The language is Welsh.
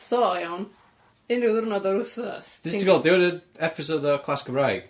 So iawn, unrhyw ddiwrnod o'r wsos ti'n... Nest ti gweld dyw hwn yn episode o class Cymraeg?